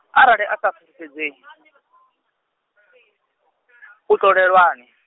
arali a sa fulufhedzei, u tholelwani.